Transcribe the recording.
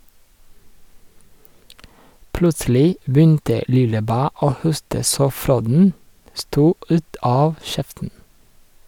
Plutselig begynte Lillebæ å hoste så fråden stod ut av kjeften.